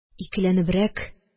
Икеләнебрәк